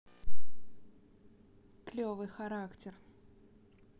клевый характер